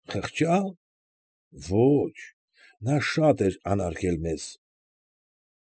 Խղճա՞լ, ոչ, նա շատ էր անարգել մեզ։